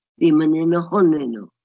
Ddim yn un ohonyn nhw.